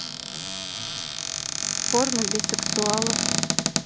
порно бисексуалов